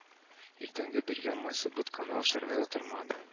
Иртәнгә биргән майсыз ботканы ашарга да тормады